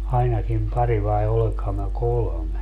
ainakin pari vai olenkohan minä kolme